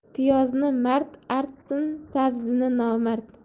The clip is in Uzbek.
piyozni mard artsin sabzini nomard